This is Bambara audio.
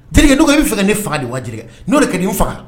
Dɔgɔ bɛ fɛ ne faga de wa n'o kɛ n' n faga